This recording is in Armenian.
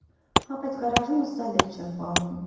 ֊ Հա, բայց գարաժումս սայլ էլ չեմ պահում։